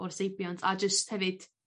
o'r seibiant a jyst hefyd